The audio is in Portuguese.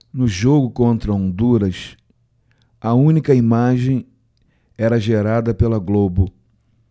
no jogo contra honduras a única imagem era gerada pela globo